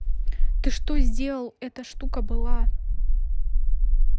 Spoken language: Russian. ты что сделал это шутка была